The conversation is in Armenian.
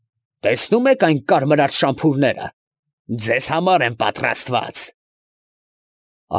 Տեսնում եք այն կարմրած շամփուրները. ձեզ համար են պատրաստված։ ֊